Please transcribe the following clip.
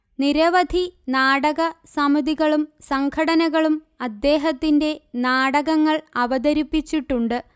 നിരവധി നാടക സമിതികളും സംഘടനകളും അദ്ദേഹത്തിന്റെ നാടകങ്ങൾ അവതരിപ്പിച്ചിട്ടുണ്ട്